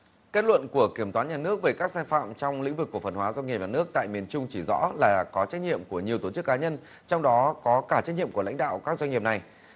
kết luận của kiểm toán nhà nước về các sai phạm trong lĩnh vực cổ phần hóa doanh nghiệp nhà nước tại miền trung chỉ rõ là có trách nhiệm của nhiều tổ chức cá nhân trong đó có cả trách nhiệm của lãnh đạo các doanh nghiệp này